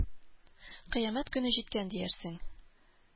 Кыямәт көне җиткән диярсең.